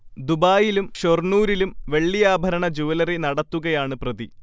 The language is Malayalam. ദുബായിലും ഷൊർണൂരിലും വെള്ളിആഭരണ ജൂവലറി നടത്തുകയാണ് പ്രതി